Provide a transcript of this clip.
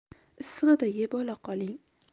issig'ida yeb ola qoling